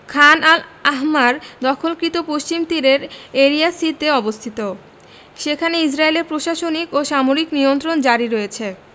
খান al Ahmar দখলকৃত পশ্চিম তীরের এরিয়া সি তে অবস্থিত সেখানে ইসরাইলের প্রশাসনিক ও সামরিক নিয়ন্ত্রণ জারি রয়েছে